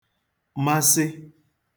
masị